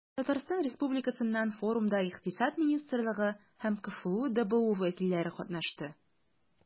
Татарстан Республикасыннан форумда Икътисад министрлыгы һәм КФҮ ДБУ вәкилләре катнашты.